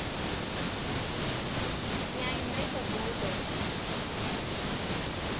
Միայն մեկը՝ բորդո։